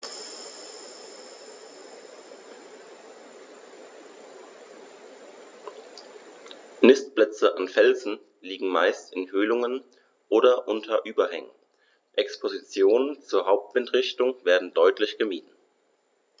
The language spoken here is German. Nistplätze an Felsen liegen meist in Höhlungen oder unter Überhängen, Expositionen zur Hauptwindrichtung werden deutlich gemieden.